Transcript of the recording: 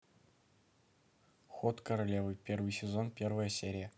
ход королевы первый сезон первая серия